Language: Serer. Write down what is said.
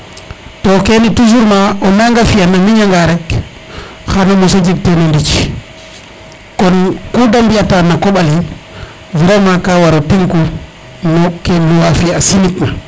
to kene toujours o nanga fiyan a miña nga rek xano moso jeg ten o njic kon ku de mbiyta ta na koɓale vraiemnt :gfra ka waro tenku noke lois fe a simit na